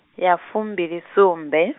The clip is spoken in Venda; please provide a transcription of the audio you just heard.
ya fumbilisumbe.